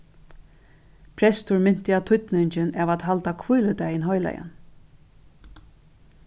prestur minti á týdningin av at halda hvíludagin heilagan